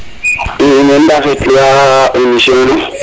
i in way ndafetluwa émission ne